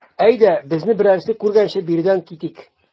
Әйдә, безне берәрсе күргәнче биредән китик.